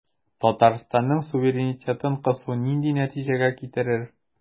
Татарстанның суверенитетын кысу нинди нәтиҗәгә китерер?